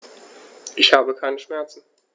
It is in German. Ich habe keine Schmerzen.